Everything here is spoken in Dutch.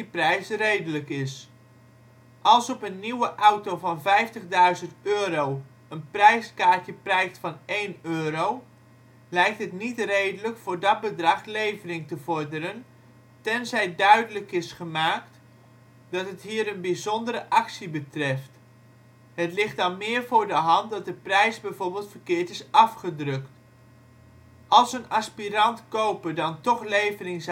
prijs redelijk is. Als op een nieuwe auto van 50.000 euro een prijskaartje prijkt van één euro, lijkt het niet redelijk voor dat bedrag levering te vorderen, tenzij duidelijk is gemaakt, dat het hier een bijzondere actie betreft. Het ligt dan meer voor de hand, dat de prijs bijvoorbeeld verkeerd is afgedrukt. Als een aspirant-koper dan toch levering